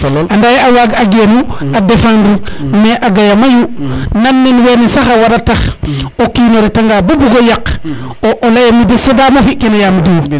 ande a waag a genu a defendre mais a gaya mayu nan wene sax a wara tax o kiin o ret nga bo bugo yaq o leye mi de sedamo fi kene yaam diw